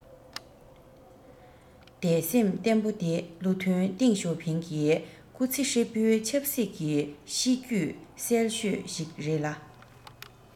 དད སེམས བརྟན པོ དེ བློ མཐུན ཏེང ཞའོ ཕིང གི སྐུ ཚེ ཧྲིལ པོའི ཆབ སྲིད ཀྱི གཤིས རྒྱུད གསལ ཤོས ཤིག རེད ལ